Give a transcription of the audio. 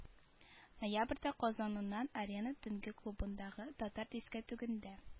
Ноябрьдә казаннын арена төнге клубындагы татар дискәтүгендә